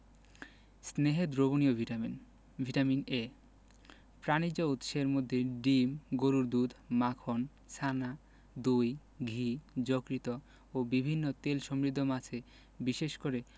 স্নেহে দ্রবণীয় vitamin vitamin A প্রাণিজ উৎসের মধ্যে ডিম গরুর দুধ মাখন ছানা দই ঘি যকৃৎ ও বিভিন্ন তেলসমৃদ্ধ মাছে বিশেষ করে